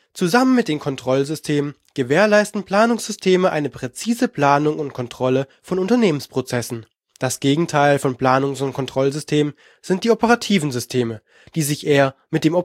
Zusammen mit den Kontrollsystemen gewährleisten Planungssysteme eine präzise Planung und Kontrolle von Unternehmensprozessen. Das Gegenteil von Planungs - und Kontrollsystemen sind die Operativen Systeme, die sich eher mit dem